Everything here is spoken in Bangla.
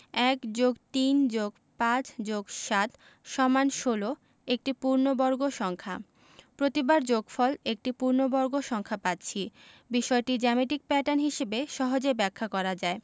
১+৩+৫+৭=১৬ একটি পূর্ণবর্গ সংখ্যা প্রতিবার যোগফল একটি পূর্ণবর্গ সংখ্যা পাচ্ছি বিষয়টি জ্যামিতিক প্যাটার্ন হিসেবে সহজেই ব্যাখ্যা করা যায়